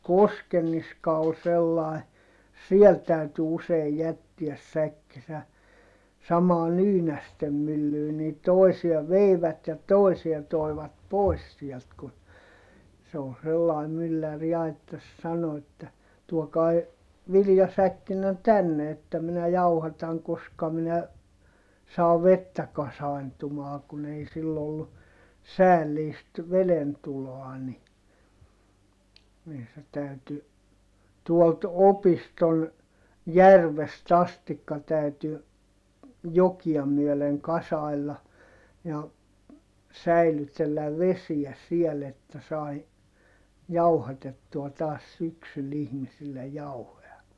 Koskenniska oli sellainen siellä täytyi usein jättää säkkinsä samaan Nyynästen myllyyn niin toisia veivät ja toisia toivat pois sieltä kun se oli sellainen mylläri ja että sanoi että tuokaa viljasäkkinne tänne että minä jauhatan koska minä saan vettä kasaantumaan kun ei sillä ollut säällistä vedentuloa niin niin se täytyi tuolta opiston järvestä asti täytyi jokia myöden kasailla ja säilytellä vesiä siellä että sai jauhatettua taas syksyllä ihmisille jauhoja